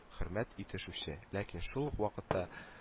Хөрмәт итешүче, ләкин шул ук вакытта